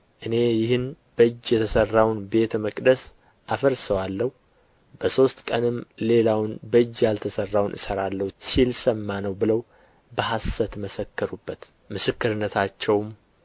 እኔ ይህን በእጅ የተሠራውን ቤተ መቅደስ አፈርሰዋለሁ በሦስት ቀንም ሌላውን በእጅ ያልተሠራውን እሠራለሁ ሲል ሰማነው ብለው በሐሰት መሰከሩበት ምስክርነታቸውም